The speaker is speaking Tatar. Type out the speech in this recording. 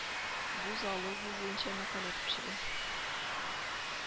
Бу зоология буенча мәкалә төпчеге